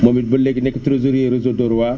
moom it ba léegi nekk trésorier réseau Dóor waar